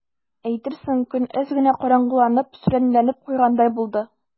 Әйтерсең, көн әз генә караңгыланып, сүрәнләнеп куйгандай булды.